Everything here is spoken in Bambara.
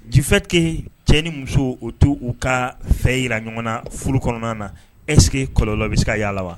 Du fait que cɛ ni muso u tu ka fɛ yira ɲɔgɔn na furu kɔnɔna na est ce que kɔlɔlɔ bi se ka ya la wa?